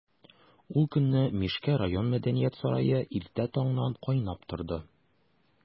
Ул көнне Мишкә район мәдәният сарае иртә таңнан кайнап торды.